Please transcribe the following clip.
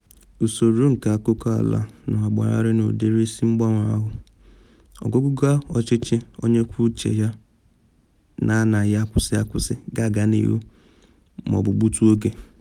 Usoro nke akụkọ ala na agbagharị n’ụdịrị isi mgbanwe ahụ, ọgụga ọchịchị onye kwuo uche ya na anaghị akwụsị akwụsị ga-aga n’ihu ma ọ bụ gbutu oge.